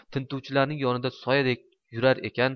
tintuvchilarning yonida soyadek yurar ekan